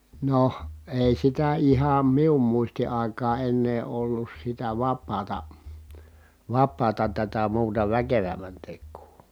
no ei sitä ihan minun muistin aikaan ennen ollut sitä vapaata vapaata tätä muuta väkevämmän tekoa